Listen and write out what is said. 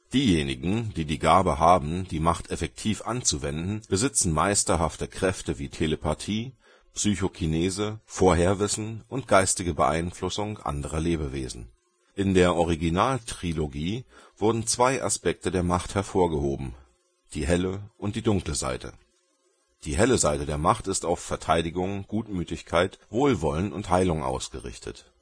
Diejenigen, die die Gabe haben, die Macht effektiv anzuwenden, besitzen meisterhafte Kräfte, wie Telepathie, Psychokinese, Vorherwissen und geistige Beeinflussung anderer Lebewesen. In der Originaltrilogie wurden zwei Aspekte der Macht hervorgehoben: Die helle und die dunkle Seite. Die helle Seite der Macht ist auf Verteidigung, Gutmütigkeit, Wohlwollen und Heilung ausgerichtet